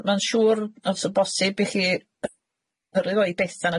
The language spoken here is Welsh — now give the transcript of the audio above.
Ma'n ma'n siŵr os o'n bosib i chi yrru fo i Bethan